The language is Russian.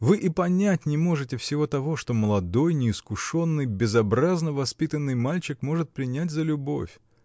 Вы и понять не можете всего того, что молодой, неискушенный, безобразно воспитанный мальчик может принять за любовь!.